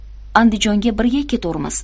andijonga birga keturmiz